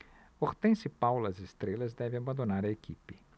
hortência e paula as estrelas devem abandonar a equipe